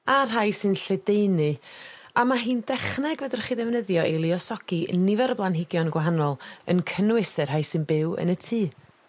a rhai sy'n lledaenu a ma' hi'n dechneg fedrwch chi ddefnyddio i luosogi nifer o blanhigion gwahanol yn cynnwys y rhei sy'n byw yn y tŷ.